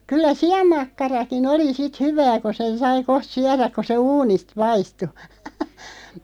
kyllä sianmakkarakin oli sitten hyvää kun sen sai kohta syödä kun se uunista paistui